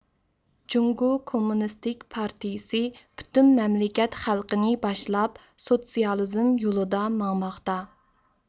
جۇڭگو كوممۇنىستىك پارتىيىسى پۈتۈن مەملىكەت خەلقىنى باشلاپ سوتسىيالىزم يولىدا ماڭماقتا